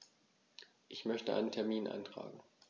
Ich möchte einen Termin eintragen.